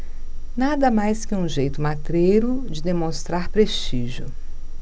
nada mais que um jeito matreiro de demonstrar prestígio